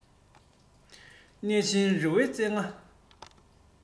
གནས ཆེན རི བོ རྩེ ལྔ